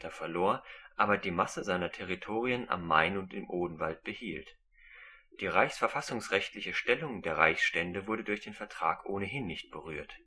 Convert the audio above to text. verlor, aber die Masse seiner Territorien am Main und im Odenwald behielt. Die reichsverfassungsrechtliche Stellung der Reichsstände wurde durch den Vertrag ohnehin nicht berührt